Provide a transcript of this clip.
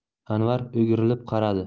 anvar o'girilib qaradi